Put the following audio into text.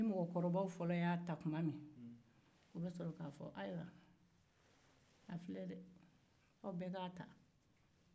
ni mɔgɔkɔrɔbaw y'a ta tuma min u bɛ sɔrɔ k'a fɔ a' y'a ta